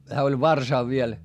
hän oli varsa vielä